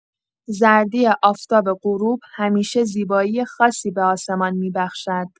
زردی آفتاب غروب همیشه زیبایی خاصی به آسمان می‌بخشد.